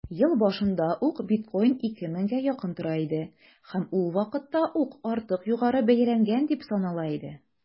Ел башында ук биткоин 2 меңгә якын тора иде һәм ул вакытта ук артык югары бәяләнгән дип санала иде.